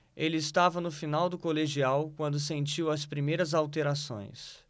ele estava no final do colegial quando sentiu as primeiras alterações